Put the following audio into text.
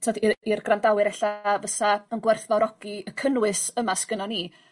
t'od i'r i'r gwrandawyr ella fysa yn gwerthfawrogi y cynnwys yma s'gynnon ni